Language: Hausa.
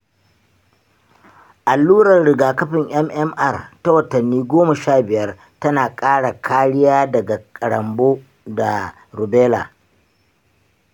allurar rigakafin mmr ta watanni goma sha biyar tana ƙara kariya daga karonbo da rubella.